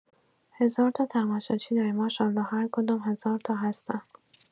هزارتا تماشاچی داریم ماشاالله هرکدوم هزارتا هستند.